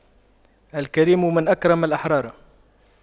الكريم من أكرم الأحرار